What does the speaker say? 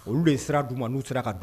Olu de ye sira d'u ma n'u sera ka don.